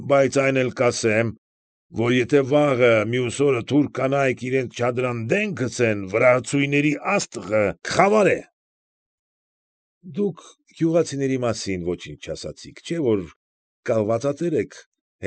Բայց այն էլ կասեմ, որ եթե վաղը, մյուս օրը թուրք կանայք իրենց չադրան դեն գցեն, վրացուհիների աստղը կխավարե… ֊ Դուք գյուղացիների մասին ոչինչ չասացիք, չէ՞ որ կալվածատեր եք,